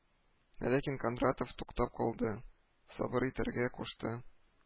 Ләкин Кондратов туктап калды, сабыр итәргә кушты